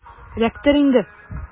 Эләктер инде!